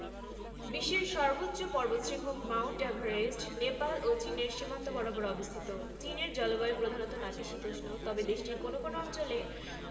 ঔষধ ও বিভিন্ন ধরনের ইলেকট্রনিক্স সামগ্রী প্রভ্রিতি খনিজ সম্পদের দিক থেকেও চীন অত্যান্ত সম্পদশালী দেশটির ভূগর্ভে রয়েছে মুল্যবান খনিজ সম্পদ যেমন পেট্রোলিয়াম আকরিক লৌহ তামা অ্যালুমিনিয়াম